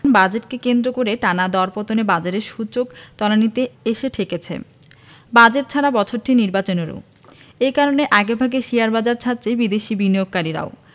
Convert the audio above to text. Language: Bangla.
বাজেটকে কেন্দ্র করে টানা দরপতনে বাজারের সূচক তলানিতে এসে ঠেকেছে বাজেট ছাড়া বছরটি নির্বাচনেরও এ কারণে আগেভাগে শেয়ারবাজার ছাড়ছে বিদেশি বিনিয়োগকারীরাও